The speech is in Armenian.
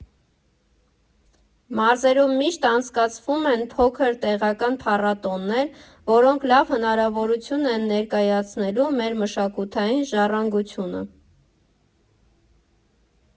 Մարզերում միշտ անցկացվում են փոքր տեղական փառատոներ, որոնք լավ հնարավորություն են ներկայացնելու մեր մշակութային ժառանգությունը։